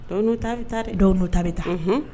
O n'u ta bɛ taa, dɔ n'o ta bɛ taa